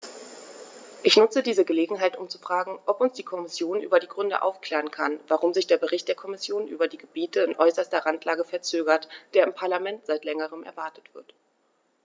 Ich nutze diese Gelegenheit, um zu fragen, ob uns die Kommission über die Gründe aufklären kann, warum sich der Bericht der Kommission über die Gebiete in äußerster Randlage verzögert, der im Parlament seit längerem erwartet wird.